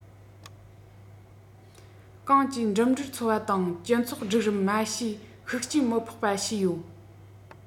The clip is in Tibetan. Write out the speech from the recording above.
གངས ཀྱིས འགྲིམ འགྲུལ འཚོ བ དང སྤྱི ཚོགས སྒྲིག རིམ དམའ ཤོས ཤུགས རྐྱེན མི ཕོག པ བྱས ཡོད